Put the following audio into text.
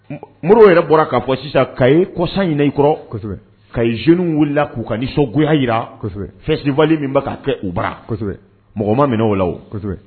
Modibo yɛrɛ bɔra k'a fɔ sisan Kayi kɔsa in i kɔrɔ Kayi jeunes wulila k'u ka nisɔngoya jira, kosɛbɛ, festival min bɛ ka kɛ u bara, kosɛbɛ mɔgɔ ma minɛ o la wo, kosɛbɛ